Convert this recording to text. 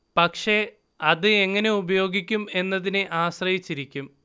പക്ഷെ അത് എങ്ങനെ ഉപയോഗിക്കും എന്നതിനെ ആശ്രയ്ചിരിക്കും